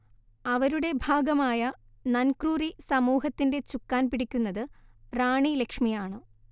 അവരുടെ ഭാഗമായ നൻക്രുറി സമൂഹത്തിന്റെ ചുക്കാൻ പിടിക്കുന്നത് റാണി ലക്ഷ്മിയാണ്